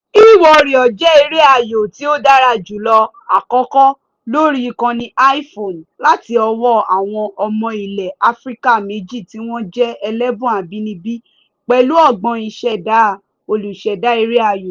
iWarrior jẹ́ eré ayò tí ó dára jùlọ àkọ́kọ́ lórí ìkànnì iPhone láti ọwọ́ àwọn ọmọ ilẹ̀ Áfíríkà méjì tí wọ́n jẹ́ ẹlẹ́bùn abínibí pẹ̀lú ọgbọ́n ìṣẹ̀dá olùṣẹ̀dá eré ayò.